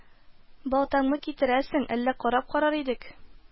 Балтаңны китерсәң, әллә карап карар идек